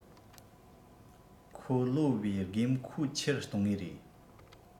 ཁོ ལོ བའི དགོས མཁོ ཆེ རུ གཏོང ངེས རེད